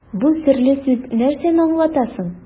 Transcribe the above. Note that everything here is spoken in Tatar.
Бу серле сүз нәрсәне аңлата соң?